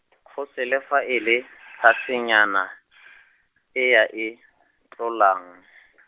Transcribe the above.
go se le fa e le, tlhasenyana, e a e, tlolang .